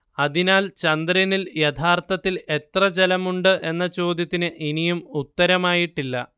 അതിനാൽ ചന്ദ്രനിൽ യഥാർത്ഥത്തിൽ എത്ര ജലമുണ്ട് എന്ന ചോദ്യത്തിന് ഇനിയും ഉത്തരമായിട്ടില്ല